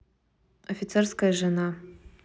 офицерская жена